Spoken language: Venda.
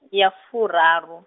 ya furaru.